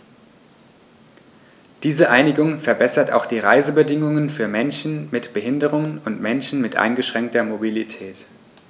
Diese Einigung verbessert auch die Reisebedingungen für Menschen mit Behinderung und Menschen mit eingeschränkter Mobilität.